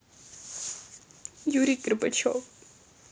юрий горбачев